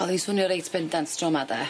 Oedd hi'n swnio reit bendant tro ma' de.